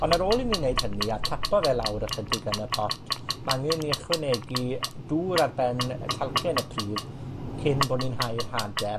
ond ar ôl i ni wneud hynny, a tapo fe lawr ychydig yn y pot, ma' angen ni ychwanegu dŵr ar ben talcen y pridd cyn bo' ni'n hau'r hade.